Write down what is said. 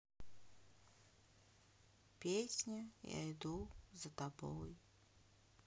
песня я иду за тобой